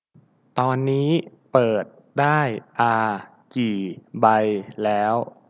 ตอนนี้เปิดได้อากี่ใบแล้ว